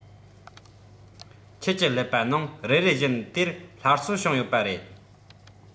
ཁྱོད ཀྱི ཀླད པ ནང རེ རེ བཞིན དེ སླར གསོ བྱུང ཡོད པ རེད